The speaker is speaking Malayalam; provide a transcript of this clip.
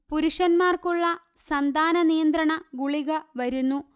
പുരുഷന്മാർക്കുള്ള സന്താനനിയന്ത്രണ ഗുളിക വരുന്നു